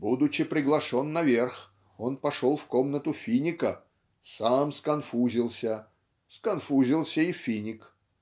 Будучи приглашен наверх, он пошел в комнату Финика, сам сконфузился сконфузился и Финик.